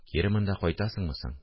– кире монда кайтасыңмы соң